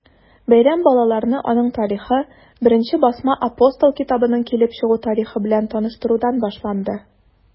Бәйрәм балаларны аның тарихы, беренче басма “Апостол” китабының килеп чыгу тарихы белән таныштырудан башланды.